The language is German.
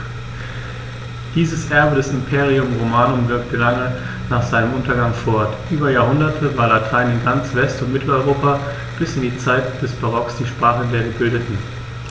Dieses Erbe des Imperium Romanum wirkte lange nach seinem Untergang fort: Über Jahrhunderte war Latein in ganz West- und Mitteleuropa bis in die Zeit des Barock die Sprache der Gebildeten.